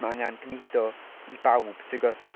Mae angen gwneud o i bawb ti'n gwbod?